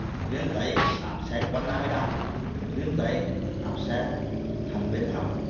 viêm tấy áp xe quanh a mi đan viêm tấy áp xe thành bên họng